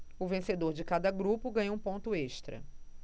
o vencedor de cada grupo ganha um ponto extra